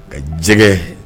Ka jɛgɛɛ